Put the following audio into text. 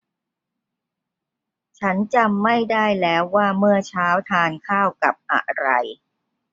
ฉันจำไม่ได้แล้วว่าเมื่อเช้าทานข้าวกับอะไร